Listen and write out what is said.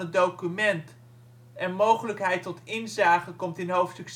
document en mogelijkheid tot inzage komt in hoofdstuk